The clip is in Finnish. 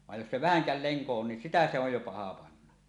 vaan jos se vähänkään lenko on niin sitä se on jo paha panna